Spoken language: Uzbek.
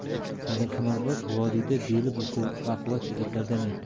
sadirqimorboz vodiyda beli baquvvat yigitlardan edi